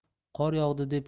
qor yog'di deb